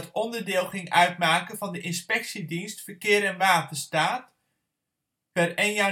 onderdeel ging uitmaken van de Inspectiedienst Verkeer en Waterstaat (per 1/1/2012